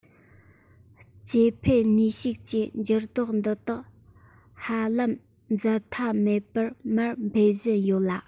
སྐྱེ འཕེལ ནུས ཤུགས ཀྱིས འགྱུར ལྡོག འདི དག ཧ ལམ འཛད མཐའ མེད པར མར སྤེལ བཞིན ཡོད ལ